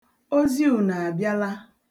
oziùnùàbịala